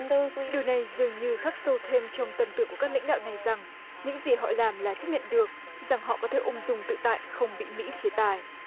điều này dường như khắc sâu thêm trong tâm tưởng của các lãnh đạo này rằng những gì họ làm là chấp nhận được rằng họ có thể ung dung tự tại không bị mỹ chế tài